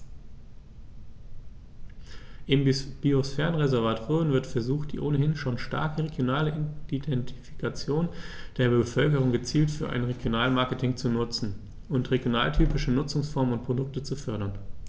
Im Biosphärenreservat Rhön wird versucht, die ohnehin schon starke regionale Identifikation der Bevölkerung gezielt für ein Regionalmarketing zu nutzen und regionaltypische Nutzungsformen und Produkte zu fördern.